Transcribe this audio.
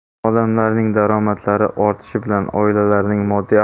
odamlarning daromadlari ortishi bilan oilalarning moddiy